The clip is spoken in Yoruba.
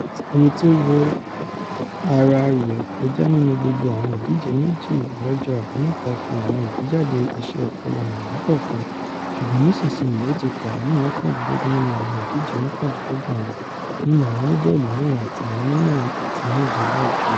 Woods, ẹnití ó wọ́ ara rẹ̀ kọjà nínú gbogbo àwọn ìdíje méji lọ́jọ́ Àbámẹ́ta, fi àwọn ìbújade iṣẹ́ ọpọlọ hàn lẹ́ẹ̀kọ̀kan ṣùgbọ́n nísinsìnyí ó ti pàdánù mọ́kàndínlógún nínú àwọn ìdíje mọ́kàndínlọ́gbọ̀n rẹ̀ nínú àwọn oníbọ́ọ̀lù-mẹ́rin àti àwọn onímẹ́rin àti méje láìdúró.